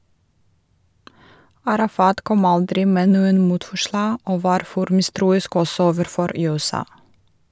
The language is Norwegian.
Arafat kom aldri med noen motforslag og var for mistroisk - også overfor USA.